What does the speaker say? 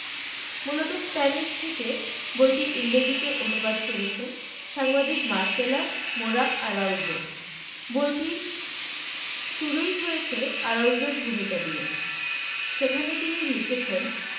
মূলত স্প্যানিশ থেকে বইটি ইংরেজিতে অনু্বাদ করেছেন সাংবাদিক মার্সেলা মোরা আরাউজো বইটি শুরুই হয়েছে আরাউজোর ভূমিকা দিয়ে সেখানে তিনি লিখেছেন